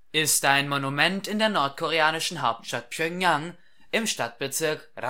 ist ein Monument in der nordkoreanischen Hauptstadt Pjöngjang im Stadtbezirk